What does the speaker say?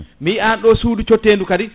min yi ani ɗo suudu cottedu kadi